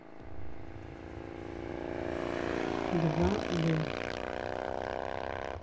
два б